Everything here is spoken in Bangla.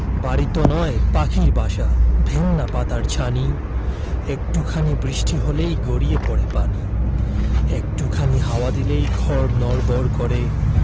বাড়িতো নয় পাখির বাসা ভেন্না পাতার ছানি একটু খানি বৃষ্টি হলেই গড়িয়ে পড়ে পানি একটু খানি হাওয়া দিলেই ঘর নড়বড় করে